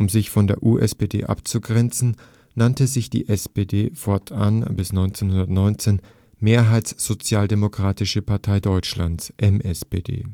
sich von der USPD abzugrenzen, nannte sich die SPD fortan bis 1919 Mehrheitssozialdemokratische Partei Deutschlands (MSPD